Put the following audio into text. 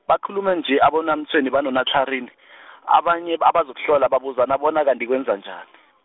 bakhuluma nje abonaMtshweni banonaTlharini , abanye abazokuhlola babuzana bona kanti kwenzanjani.